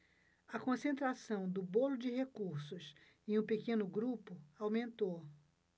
a concentração do bolo de recursos em um pequeno grupo aumentou